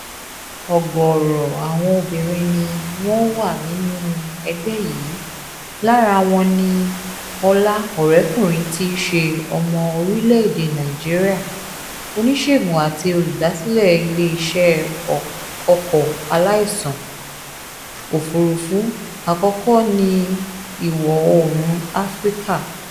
Ọ̀gọ̀ọ̀rọ̀ àwọn obìnrin ni wọ́n wà nínú ẹgbẹ́ yìí, lára wọn ni Ọlá Ọ̀rẹ́kunrin tíì ṣe ọmọ orílẹ̀ èdè Nàìjíríà, oníṣègùn àti olùdásílẹ̀ ilé iṣẹ́ ọkọ̀ aláìsàn òfurufú àkọ́kọ́ ní ìwọ̀-oòrùn Áfíríkà.